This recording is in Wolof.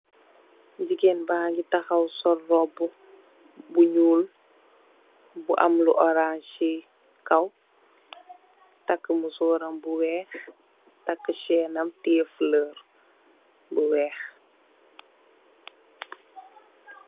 Jigeen ba'ngi taxaw sol róbbu bu ñuul bu am lu orans si kaw, takka mesor ram bu wèèx takka cèèn nam teyeh fulor bu wèèx.